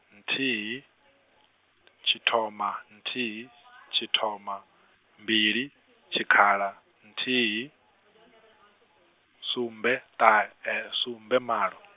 nthihi , tshithoma, nthihi , tshithoma, mbili, tshikhala, nthihi, sumbe ṱahe sumbe malo.